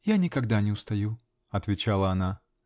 -- Я никогда не устаю, -- отвечала она.